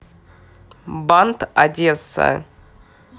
бант одесса